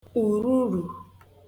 ururù